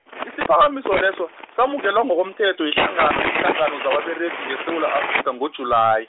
isiphakamiso leso, samukelwa ngokomthetho yihlangano yeenhlangano zababeregi ngeSewula, Afrika ngoJulayi.